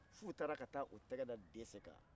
f'u taara ka taa u tigɛ da dɛsɛ kan